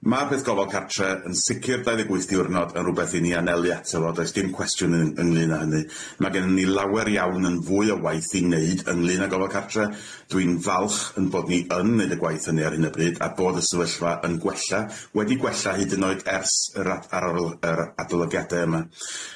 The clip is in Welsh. Ma'r peth gofal cartre yn sicir dau ddeg wyth diwrnod yn rwbeth i ni anelu ato fo does dim cwestiwn yng- ynglŷn â hynny, ma' gennyn ni lawer iawn yn fwy o waith i neud ynglŷn â gofal cartre. Dwi'n falch yn bod ni yn neud y gwaith hynny ar yn o bryd a bod y sefyllfa yn gwella, wedi gwella hyd yn oed ers yr ad- ar yr yy adolygiade yma.